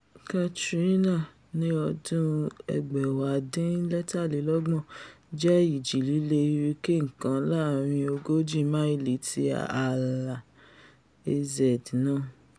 Katrina (1967) jẹ́ ìjì-líle hurricane kan laàrin ogójì máìlì ti ààlà AZ náà.''